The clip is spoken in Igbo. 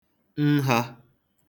nhā